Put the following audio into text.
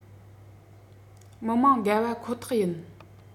མི མང དགའ བ ཁོ ཐག ཡིན